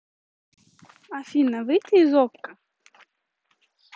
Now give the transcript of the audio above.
афина выйти из okko